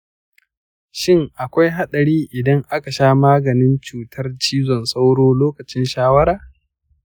shin akwai hadari idan aka sha maganin cutar cizon sauro lokacin shayarwa?